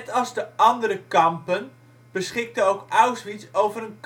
als de andere kampen beschikte ook Auschwitz over